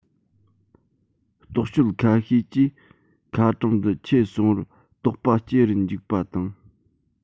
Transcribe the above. རྟོག དཔྱོད ཁ ཤས ཀྱིས ཁ གྲངས འདི ཆེ སོང བར དོགས པ སྐྱེ རུ འཇུག པ དང